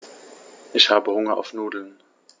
Ich habe Hunger auf Nudeln.